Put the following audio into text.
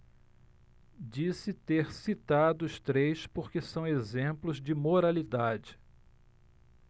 disse ter citado os três porque são exemplos de moralidade